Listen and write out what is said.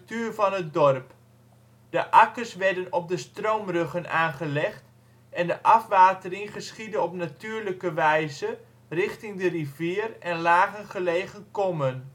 van het dorp. De akkers werden op de stroomruggen aangelegd en de afwatering geschiedde op natuurlijke wijze richting de rivier en lager gelegen kommen